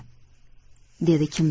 dedi kimdir